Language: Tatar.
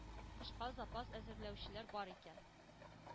Кышка запас әзерләүчеләр бар икән.